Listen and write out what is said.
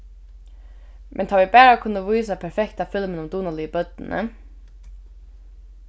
men tá vit bara kunnu vísa perfekta filmin um dugnaligu børnini